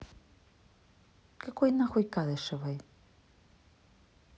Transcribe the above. какой нахуй кадышевой